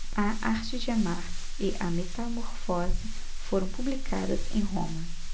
a arte de amar e a metamorfose foram publicadas em roma